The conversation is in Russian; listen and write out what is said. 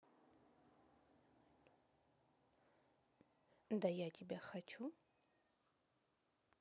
да я тебя хочу